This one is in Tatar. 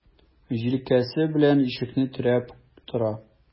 Җилкәсе белән ишекне терәп тора.